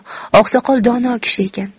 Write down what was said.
ammo oqsoqol dono kishi ekan